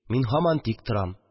Мин һаман тик торам